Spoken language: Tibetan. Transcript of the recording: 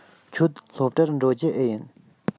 ཁྱོད སློབ གྲྭར འགྲོ རྒྱུ འེ ཡིན